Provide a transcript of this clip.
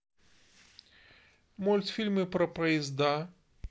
мультфильмы про поезда